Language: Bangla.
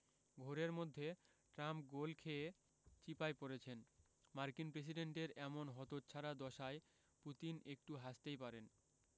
ঘোরের মধ্যে ট্রাম্প গোল খেয়ে চিপায় পড়েছেন মার্কিন প্রেসিডেন্টের এমন হতচ্ছাড়া দশায় পুতিন একটু হাসতেই পারেন